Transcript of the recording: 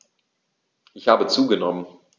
Ich habe zugenommen.